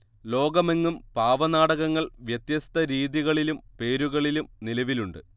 ലോകമെങ്ങും പാവനാടകങ്ങൾ വ്യത്യസ്ത രീതികളിലും പേരുകളിലും നിലവിലുണ്ട്